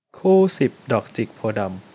คู่สิบดอกจิกโพธิ์ดำ